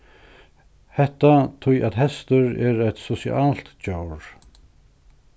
hetta tí at hestur er eitt sosialt djór